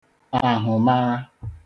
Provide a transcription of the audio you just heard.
ahụmarạ